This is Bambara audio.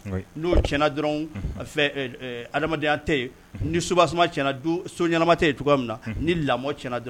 N'o tiɲɛna dɔrɔn adamadenya tɛ yen ni sobasumaɲɛna don so ɲɛnama tɛ yen cogo min na ni lamɔ tiɲɛna don